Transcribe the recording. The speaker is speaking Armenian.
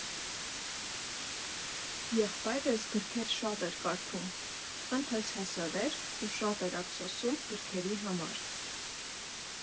Եղբայրս գրքեր շատ էր կարդում, ընթերցասեր էր ու շատ էր ափսոսում գրքերի համար։